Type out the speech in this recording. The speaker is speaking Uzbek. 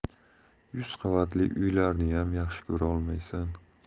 yuz qavatli uylarniyam yaxshi ko'rolmaysan